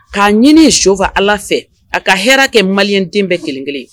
K'a ɲini in su fɛ ala fɛ a ka hɛrɛ kɛ mali den bɛɛ kelenkelen